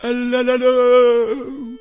Әләләләләүү!